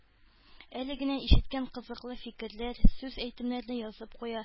Әле генә ишеткән кызыклы фикерләр, сүз-әйтемнәрне язып куя